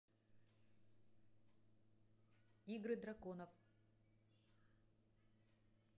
игры драконов